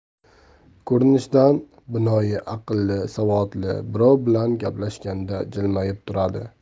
ko'rinishidan binoyi aqlli savodli birov bilan gaplashganda jilmayib turadi